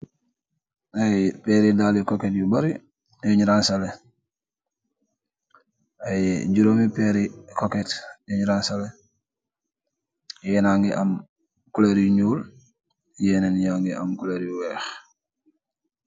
Aiiy pehrii daali cocket yu bari yungh raanzaleh, aiiy juromi pehrii cocket yungh raanzaleh, yehna ngi am couleur yu njull, yehnen yangy am couleur yu wekh.